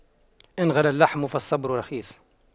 إن غلا اللحم فالصبر رخيص